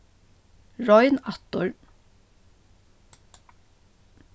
royn aftur